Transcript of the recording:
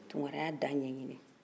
tounkaraya dan ɲɛɲini